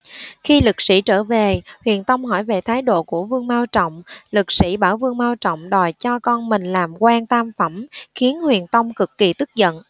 khi lực sĩ trở về huyền tông hỏi về thái độ của vương mao trọng lực sĩ bảo vương mao trọng đòi cho con mình làm quan tam phẩm khiến huyền tông cực kì tức giận